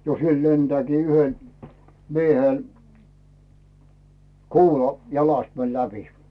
jo siellä lentääkin yhden miehellä kuula jalasta meni läpi